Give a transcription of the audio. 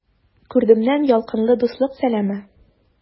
Күрдемнән ялкынлы дуслык сәламе!